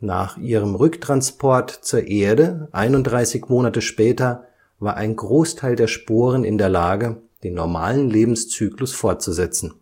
Nach ihrem Rücktransport zur Erde 31 Monate später war ein Großteil der Sporen in der Lage, den normalen Lebenszyklus fortzusetzen